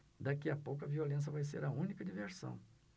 daqui a pouco a violência vai ser a única diversão